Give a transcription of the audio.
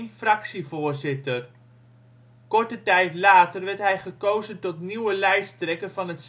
fractievoorzitter. Korte tijd later werd hij gekozen tot nieuwe lijsttrekker van het